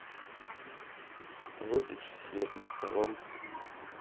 выключи свет над столом